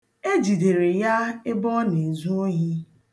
E jidere ya ebe ọ na-ezu ohi.